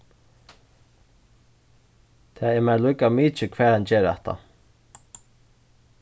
tað er mær líka mikið hvar hann ger hatta